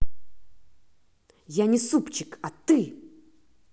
я не супчик а ты